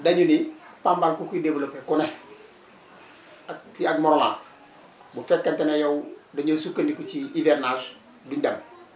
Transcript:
dañu ni Pambal ku koy développé ku ne ak ak Morolan bu fekkente ne yow da ngay sukkandiku ci hivernage duñ dem